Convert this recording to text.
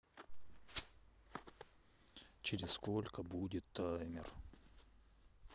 через сколько будет таймер